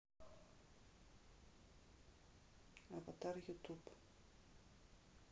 аватар ютуб